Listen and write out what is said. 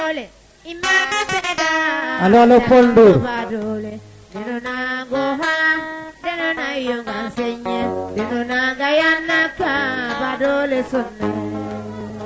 voila Djiby comme ne leytan ma ndiiki in way simnang a paax simna o fogole Diarekh simna arrondissement feene Tataguine departement fee bon region fee i mbaase o leŋ